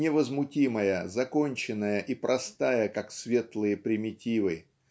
невозмутимая, законченная и простая, как светлые примитивы.